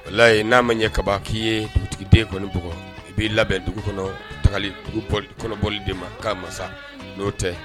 Wala ye n'a ma ɲɛ kaba k'i ye ptigiden kɔniug i bɛ labɛn dugu kɔnɔ tagalioli kɔnɔoli de ma'a masa n'o tɛ